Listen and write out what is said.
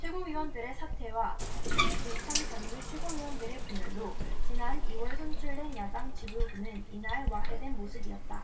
최고위원들의 사퇴와 회의 불참 잔류 최고위원들의 분열로 지난 이 월 선출된 야당 지도부는 이날 와해된 모습이었다